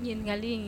Ɲininkali in